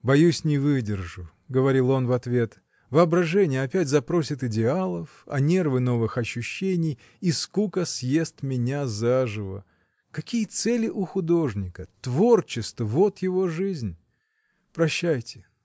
— Боюсь, не выдержу, — говорил он в ответ, — воображение опять запросит идеалов, а нервы новых ощущений, и скука съест меня заживо! Какие цели у художника? Творчество — вот его жизнь!. Прощайте!